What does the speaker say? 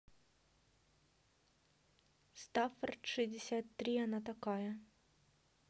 staffорд шестьдесят три она такая